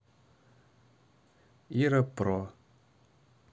ира про